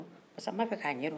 n bɛ yɛrɛ lafili binna